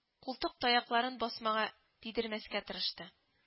Култык таякларын басмага тидермәскә тырышты